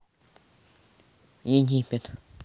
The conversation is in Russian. египет